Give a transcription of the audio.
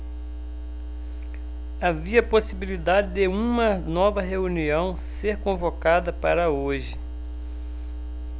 havia possibilidade de uma nova reunião ser convocada para hoje